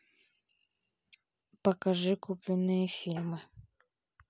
покажи купленные фильмы